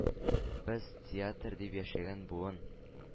Без – театр дип яшәгән буын